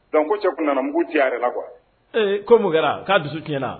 Dɔnc ko cɛ tun nana mugu ci a yɛrɛ la quoi ee ko mun kɛra k'a dusu tiɲɛna?